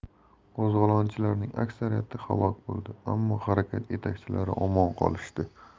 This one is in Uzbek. qo'zg'olonchilarning aksariyati halok bo'ldi ammo harakat yetakchilari omon qolishdi